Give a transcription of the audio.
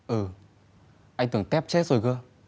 ừ anh tưởng tép chết rồi cơ